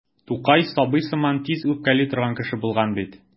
Тукай сабый сыман тиз үпкәли торган кеше булган бит.